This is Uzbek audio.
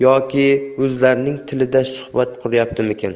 yoki o'zlarining tilida suhbat quryaptimikin